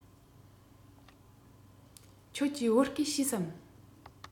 ཁྱེད ཀྱིས བོད སྐད ཤེས སམ